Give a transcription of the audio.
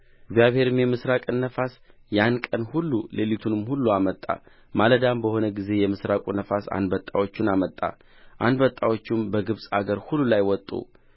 እግዚአብሔርም የምሥራቅን ነፋስ ያን ቀን ሁሉ ሌሊቱን ሁሉ አመጣ ማለዳም በሆነ ጊዜ የምሥራቁ ነፋስ አንበጣዎቹን አመጣ አንበጣዎችም በግብፅ አገር ሁሉ ላይ ወጡ